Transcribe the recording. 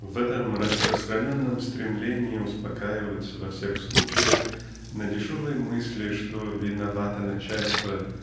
В этом распространенном стремлении успокаиваться во всех случаях на дешевой мысли что "виновато начальство"